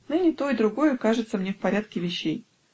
Ныне то и другое кажется мне в порядке вещей.